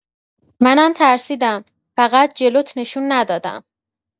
منم ترسیدم، فقط جلوت نشون ندادم.